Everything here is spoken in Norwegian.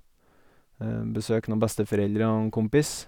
Besøk noen besteforeldre og en kompis.